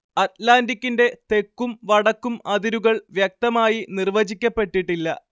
അറ്റ്‌ലാന്റിക്കിന്റെ തെക്കും വടക്കും അതിരുകൾ വ്യക്തമായി നിർവചിക്കപ്പെട്ടിട്ടില്ല